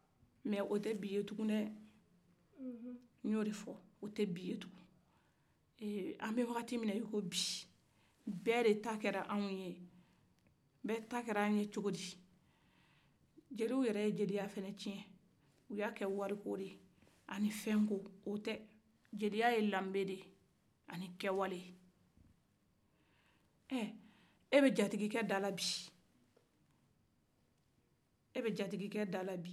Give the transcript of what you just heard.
bɛɛ ta kɛra an ye cogo di jeliw yɛrɛ ye jeliya fana cɛn u y'a kɛ wari ko de ye a ni fɛn ko o dɛ jeliya lanbe de ye ani kɛwale ɛ e bɛ jatigikɛ dala bi e bɛ jatigikɛ dala bi e b'a dala sini